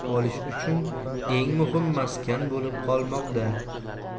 ta'lim olish uchun muhim maskan bo'lib qolmoqda